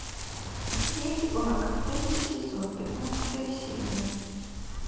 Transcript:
леди баг третий сезон пятнадцатая серия